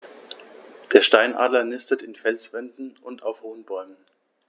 Der Steinadler nistet in Felswänden und auf hohen Bäumen.